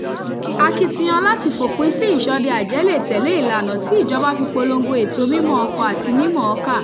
Akitiyan láti f'òpin sí ìṣọdẹ-àjẹ́ lè tẹ̀lé ìlànà tí ìjọba fi polongo ètò mímọ̀ọ-kọ-àti-mímọ̀ọ-kà.